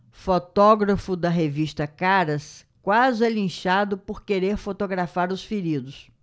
fotógrafo da revista caras quase é linchado por querer fotografar os feridos